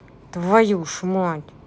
твою же мать